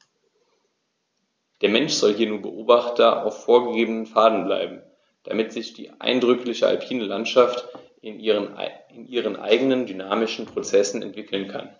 Der Mensch soll hier nur Beobachter auf vorgegebenen Pfaden bleiben, damit sich die eindrückliche alpine Landschaft in ihren eigenen dynamischen Prozessen entwickeln kann.